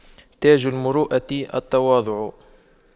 تاج المروءة التواضع